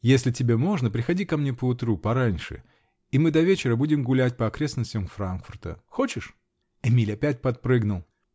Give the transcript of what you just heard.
-- Если тебе можно, приходи ко мне поутру, пораньше, -- и мы до вечера будем гулять по окрестностям Франкфурта. Хочешь? Эмиль опять подпрыгнул.